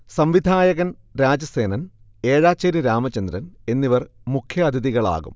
സംവിധായകൻ രാജസേനൻ, ഏഴാച്ചേരി രാമചന്ദ്രൻ എന്നിവർ മുഖ്യഅതിഥികളാകും